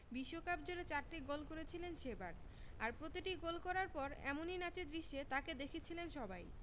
বিশ্বকাপজুড়ে চারটি গোল করেছিলেন সেবার আর প্রতিটি গোল করার পর এমনই নাচের দৃশ্যে তাঁকে দেখেছিলেন সবাই